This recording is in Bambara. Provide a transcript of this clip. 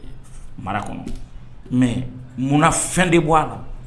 Mara kɔnɔ mɛ munna fɛn de bɔ a la